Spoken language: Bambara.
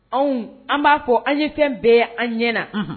Anw an b'a fɔ an ye fɛn bɛɛ ye an ɲɛ na